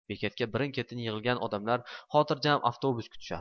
bekatga birin ketin yig'ilgan odamlar xotirjam avtobus kutishardi